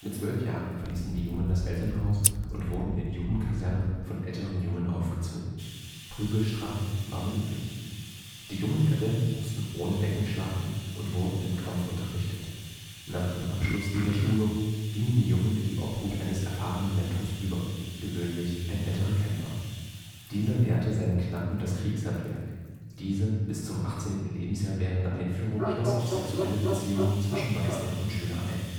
zwölf Jahren verließen die Jungen das Elternhaus und wurden in Jugendkasernen von älteren Jungen aufgezogen. Prügelstrafen waren üblich. Die jungen Kadetten mussten ohne Decken schlafen und wurden im Kampf unterrichtet. Nach dem Abschluss dieser Schulung gingen die Jungen in die Obhut eines erfahrenen Mentors über, gewöhnlich ein älterer Kämpfer. Dieser lehrte seinen Knappen das Kriegerhandwerk. Diese bis zum 18. Lebensjahr währende Einführung schloss auch sexuelle Beziehungen zwischen Meister und Schüler ein